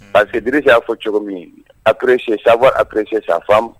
Aa Cedric y'a fɔ cogo min apprécier c'est savoir apprécier sa femme